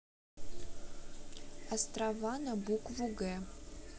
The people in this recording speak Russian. острова на букву г